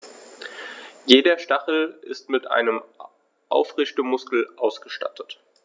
Jeder Stachel ist mit einem Aufrichtemuskel ausgestattet.